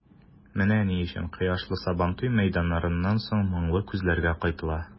Менә ни өчен кояшлы Сабантуй мәйданнарыннан соң моңлы күзләргә кайтыла.